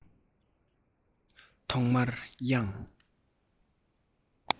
ཐོག མར དབྱངས